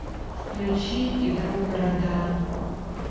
включи игру города